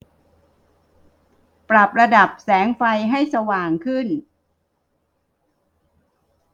ปรับระดับแสงไฟให้สว่างขึ้น